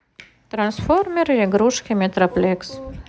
трансформеры игрушки метроплекс